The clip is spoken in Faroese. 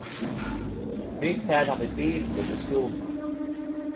vit fara við bilinum í skúla